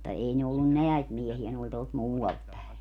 mutta ei ne ollut näitä miehiä ne oli tuolta muualta päin